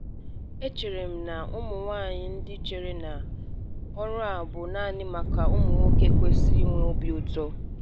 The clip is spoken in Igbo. E chere m na ụmụnwaanyị ndị chere na ọrụ a bụ naanị maka ụmụnwoke kwesịrị inwe obi ụtọ.